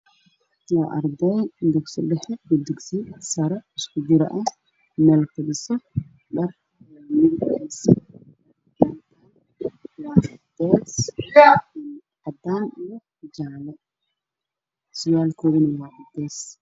Waa arday dugsi sare iyo dugsi dhexe ah , oo meel fadhiso waxay wataan dhar cadeys, jaale ah surwaalkoodana waa cadeys.